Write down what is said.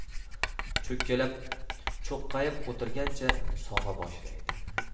cho'kkalab cho'qqayib o'tirgancha sog'a bosh laydi